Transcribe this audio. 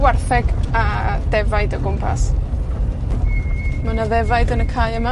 wartheg a defaid o gwmpas. Ma' 'na ddefaid yn y cae yma.